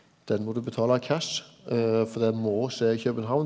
den må du betale cash for det må skje i København.